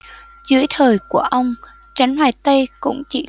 dưới thời của ông trấn hoài tây cũng chỉ